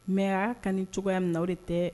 Mais ka ni cogoya na o de tɛ